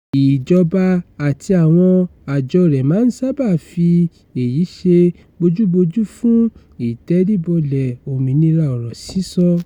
Ìjọba àti àwọn àjọ rẹ̀ máa ń sábà fi èyí ṣe bójúbójú fún ìtẹríbọlẹ̀ òmìnira ọ̀rọ̀ sísọ.